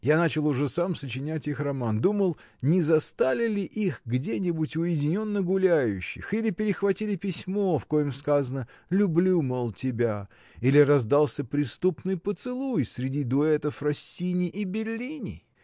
Я начал уже сам сочинять их роман: думал, не застали ли их где-нибудь уединенно гуляющих, или перехватили письмо, в коем сказано: “люблю, мол, тебя”, или раздался преступный поцелуй среди дуэтов Россини и Беллини.